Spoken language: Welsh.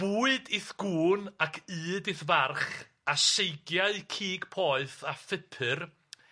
Bwyd i'th gŵn ac ud i'th farch a seigiau cig poeth a phupur